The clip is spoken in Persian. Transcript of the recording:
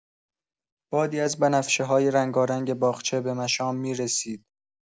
بادی از بنفشه‌های رنگارنگ باغچه به مشام می‌رسید.